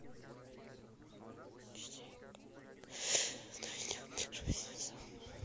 ищейка на ютуб первый сезон